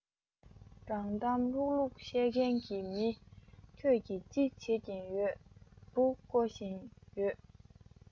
རང གཏམ ལྷུག ལྷུག བཤད མཁན གྱི མི ཁྱོད ཀྱིས ཅི བྱེད ཀྱིན ཡོད འབུ རྐོ བཞིན ཡོད